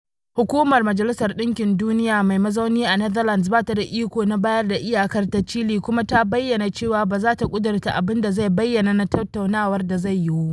Hukumar Majalisar Ɗinkin Duniyar mai mazauni a Netherlands ba ta da iko na bayar da iyakar ta Chile, kuma ta bayyana cewa ba za ta ƙudurta abin da zai bayyana na tattaunawar da za yiwu.